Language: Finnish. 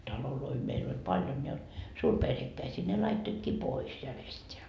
taloja meillä oli paljon ja suurperhekkäisiä ne laittoivatkin pois järjestään